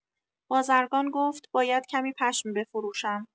بازرگان گفت: «باید کمی پشم بفروشم».